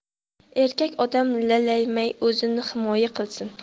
erkak odam lalaymay o'zini himoya qilsin